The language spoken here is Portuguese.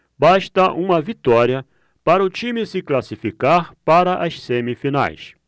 basta uma vitória para o time se classificar para as semifinais